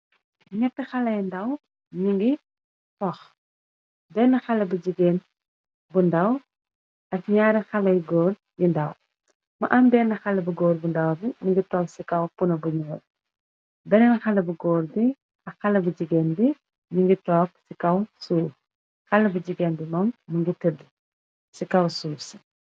Ñett Haley ndaw nu ngi foh. Benn haley bu jigéen bu ndaw ak ñaari Haley yu góor yi ndaw. Mu am benn haley bu góor bu ndaw bi, mu ngi toog ci kaw puno bu ñuul. Benneen Haley bu goor bi ak haley bi jigéen bi nu ngi toog ci kaw suf. Haley bu jigéen bi mum mi ngi tëdd ci kaw suf si.